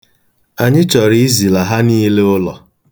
Anyị chọrọ izila ha niile ụlọ.